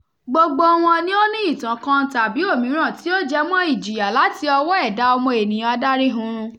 Gbogbo wọn ni ó ní ìtàn kan tàbí òmíràn tí ó jẹ mọ́ ìjìyà láti ọwọ́ ẹ̀dá ọmọ ènìyàn adáríhununrun.